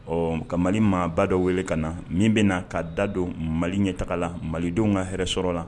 Ɔ ka mali maa ba dɔ wele ka na min bɛ na ka dadon mali ɲɛ taga la malidenw ka hɛrɛɛrɛ sɔrɔ la